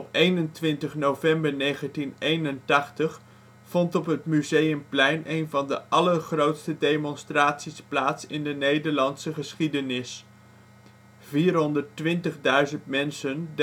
21 november 1981 vond op het Museumplein een van de allergrootste demonstraties plaats in de Nederlandse geschiedenis: 420.000 mensen demonstreerden